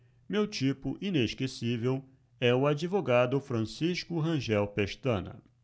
meu tipo inesquecível é o advogado francisco rangel pestana